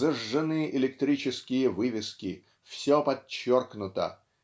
зажжены электрические вывески все подчеркнуто